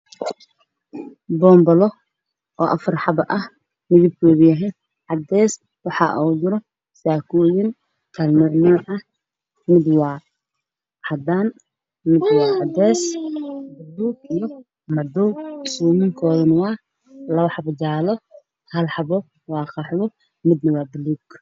Waxaa i muuqda afar saako oo meel suran